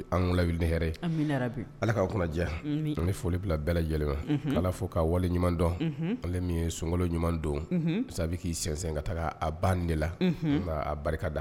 An ala'aw kunna diya an foli bila bɛɛ lajɛlen ma ala fo ka wale ɲuman dɔn ale ye sunkolo ɲuman don sabu k'i sinsɛn ka taa a ban de la n'a barika da